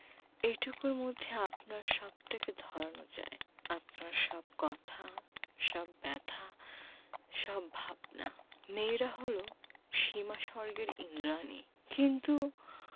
এটুকুর মধ্যে আপনার সবটাকে ধরানো চাই আপনার সব কথা সব ব্যাথা সব ভাবনা মেয়েরা হল সীমাস্বর্গের ঈন্দ্রাণী কিন্তু